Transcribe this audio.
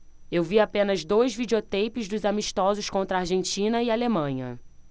eu vi apenas dois videoteipes dos amistosos contra argentina e alemanha